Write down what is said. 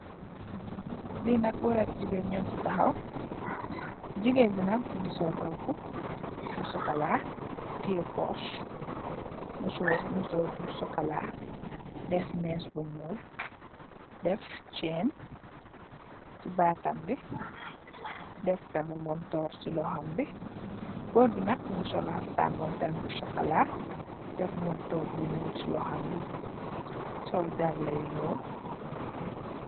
Fi nak gór ak jigeen ñu fi taxaw jigeen bi nak mugii sol róbbu bu sokola teyeh poss, musóru musór bu sokola, def més bu ñuul, def cèèn ci batam bi, dèf tamit montórr ci loxom bi. Gór bi nak mugii sol xaptan mun tam bu sokola dèf montórr bu ñuul ci loxom bi sol dàlla yu ñuul.